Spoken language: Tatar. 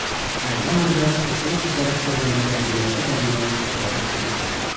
Соңгы мендәр утын күтәреп кергән тәрбияче әбине бәреп екты.